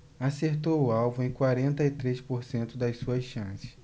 acertou o alvo em quarenta e três por cento das suas chances